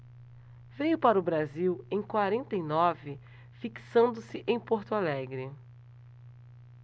veio para o brasil em quarenta e nove fixando-se em porto alegre